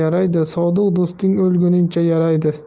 yaraydi sodiq do'sting o'lguningcha yaraydi